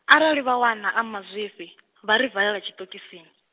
arali vha wana a mazwifhi , vha ri valele tshiṱokisini.